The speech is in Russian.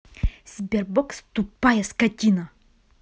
sberbox тупая скотина